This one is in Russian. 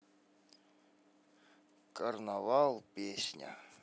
карнавал песня